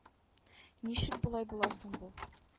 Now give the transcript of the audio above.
Ничек болай була соң бу